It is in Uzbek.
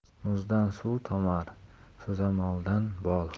muzdan suv tomar so'zamoldan bol